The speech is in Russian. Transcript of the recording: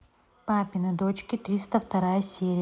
папины дочки триста вторая серия